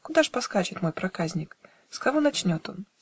Куда ж поскачет мой проказник? С кого начнет он?